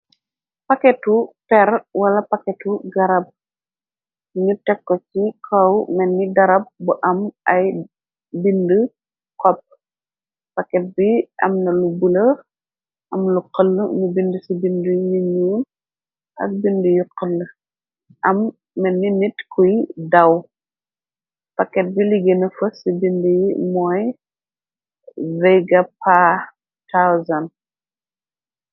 Paketu per wala , paketu garab ñu tekko ci kaw menni garab bu am ay bind kopp. Paket bi am na lu bula am lu xëll nu bind ci bind yu ñuul ak bind yu xël, am menni nit kuy daw , paket bi liggéena fës ci bind yi mooy vega per 1000.